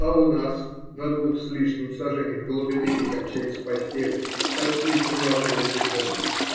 а у нас на двух с лишним саженях глубины, где кончается постель, почти что мертвая тишина.